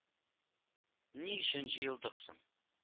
Ни өчен җыелдык соң